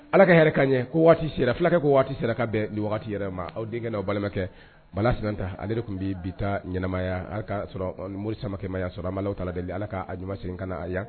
Ala ka yɛrɛ ka ɲɛ ko waati sera fulakɛ ko waati sera ka bɛn nin yɛrɛ ma aw denkɛ n'aw balimakɛ balasi ta ale de tun bɛ bi taa ɲɛnaɛnɛmaya hali ka sɔrɔ mori samamakɛma ya sɔrɔ a ma aw t ta la deli ala k'a ɲumanuman sen ka na a yan